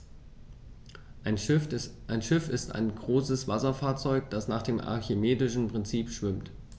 Ein Schiff ist ein größeres Wasserfahrzeug, das nach dem archimedischen Prinzip schwimmt.